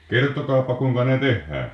kertokaapa kuinka ne tehdään